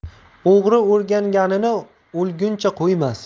o'g'ri o'rganganini o'lguncha qo'ymas